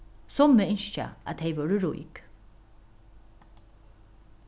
summi ynskja at tey vóru rík